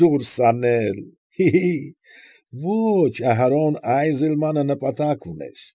Դուրս անե՜լ, հիի՜, ոչ, Ահարոն Այզելմանը նպատակ ուներ։